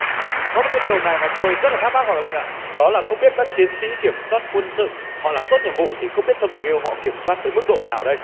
có một cái điều mà tôi rất là thắc mắc hoàng linh ạ đó là không biết các chiến sĩ kiểm soát quân sự họ làm tốt nhiệm vụ thì không biết trong tình yêu họ kiểm soát tới mức độ nào đây